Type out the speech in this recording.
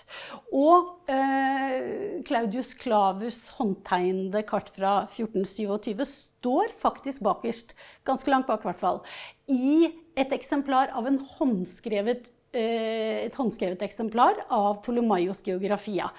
og Claudius Clavus' håndtegnede kart fra 1427 står faktisk bakerst, ganske langt bak hvert fall, i et eksemplar av en håndskrevet et håndskrevet eksemplar av Ptolemaios' Geografia.